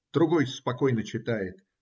Другой спокойно читает